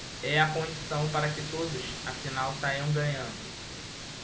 é a condição para que todos afinal saiam ganhando